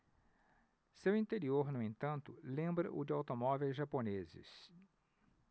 seu interior no entanto lembra o de automóveis japoneses